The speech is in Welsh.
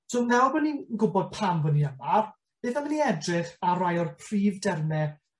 So nawr bo' ni'n gwbod pam bo' ni yma, beth am i ni edrych ar rai o'r prif derme